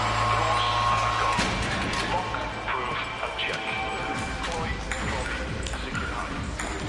Drws ar agor. Lock, prove and check. Cloi, profi, sicirhau.